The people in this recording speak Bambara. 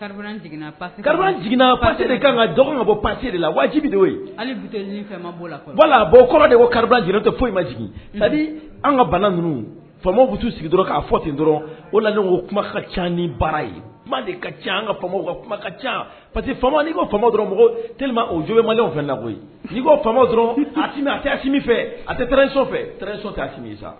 Na pa de ka ka dɔgɔ ma ko pase de la wajibi' bi la kɔrɔ de ye ko tɛ foyi ma jigin an ka bana ninnu fa bɛ sigi dɔrɔn k'a fɔ ten dɔrɔn o la ko ka ca ni baara ye kuma ka ca an ka ka ca dɔrɔn o joma fɛn la koyi a tɛ fɛ a tɛfɛ sa